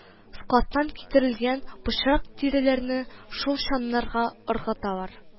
Складтан китерелгән пычрак тиреләрне шул чаннарга ыргыталар